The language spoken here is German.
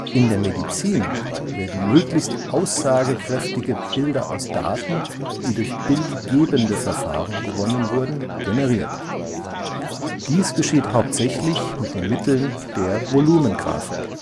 In der Medizin werden möglichst aussagekräftige Bilder aus Daten, die durch bildgebende Verfahren gewonnen wurden, generiert. Dies geschieht hauptsächlich mit den Mitteln der Volumengrafik